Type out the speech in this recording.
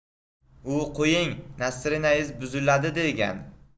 u qo'ying nastraenayz buziladi degan